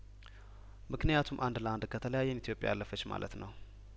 ምክንያቱም አንድ ለአንድ ከተለያየን ኢትዮጵያ አለፈች ማለት ነው